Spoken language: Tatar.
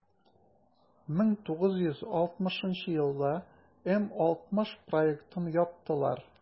1960 елда м-60 проектын яптылар.